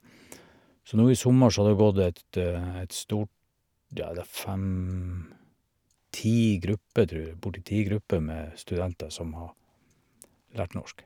Så nå i sommer så har det gått et et stort, ja, det er fem ti grupper, tror jeg, borte i ti grupper med studenter som har lært norsk.